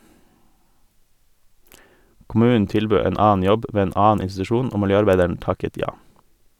Kommunen tilbød en annen jobb ved en annen institusjon og miljøarbeideren takket ja.